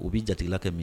U bɛ jatigi kɛ min